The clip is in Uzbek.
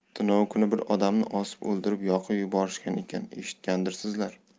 tunov kuni bir odamni osib o'ldirib yoqib yuborishgan ekan eshitgandirsizlar